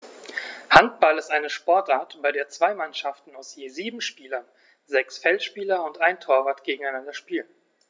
Handball ist eine Sportart, bei der zwei Mannschaften aus je sieben Spielern (sechs Feldspieler und ein Torwart) gegeneinander spielen.